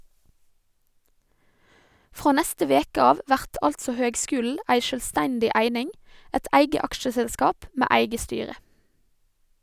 Frå neste veke av vert altså høgskulen ei sjølvstendig eining, eit eige aksjeselskap med eige styre.